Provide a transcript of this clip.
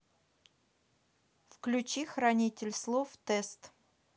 включи хранитель слов тест